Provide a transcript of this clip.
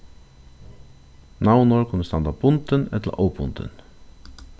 navnorð kunnu standa bundin ella óbundin